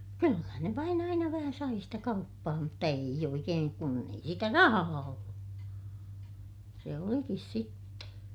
kyllä ne vain aina vähän sai sitä kauppaa mutta ei oikein kun ei sitä rahaa ollut se olikin sitten